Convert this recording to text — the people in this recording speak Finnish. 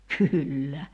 kyllä